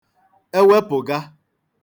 ewepụ̀ga